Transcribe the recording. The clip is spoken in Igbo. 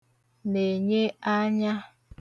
nènye anya